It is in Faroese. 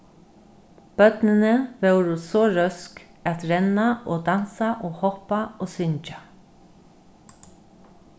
børnini vóru so røsk at renna og dansa og hoppa og syngja